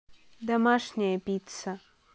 домашняя пицца